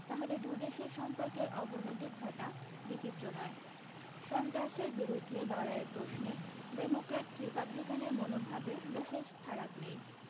তাহলে দু দেশের সম্পর্কের অবনতি ঘটা বিচিত্র নয় সন্ত্রাসের বিরুদ্ধে লড়াইয়ের প্রশ্নে ডেমোক্র্যাট রিপাবলিকানের মনোভাবে বিশেষ ফারাক নেই